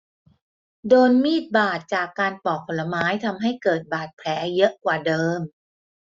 โดนมีดบาดจากการปอกผลไม้ทำให้เกิดบาดแผลเยอะกว่าเดิม